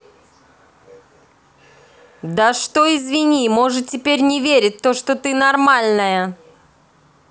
да что извини может теперь не верит в то что ты нормальная